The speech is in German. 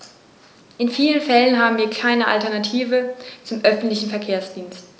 In vielen Fällen haben wir keine Alternative zum öffentlichen Verkehrsdienst.